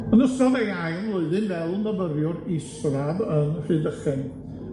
Yn ystod ei ail flwyddyn fel myfyriwr isradd yn Rhydychen,